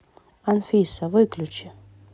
анфиса выключи